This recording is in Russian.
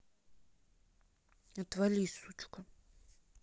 отвали сучка